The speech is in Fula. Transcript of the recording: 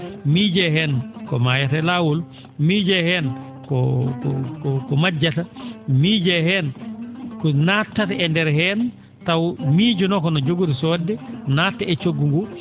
miijee heen ko maayata e laawol miijee heen ko ko majjata miijee heen ko nattata e ndeer heen taw miijanooka no jogori soodde natta e coggu ngu